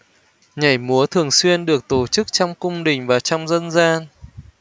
nhảy múa thường xuyên được tổ chức trong cung đình và trong dân gian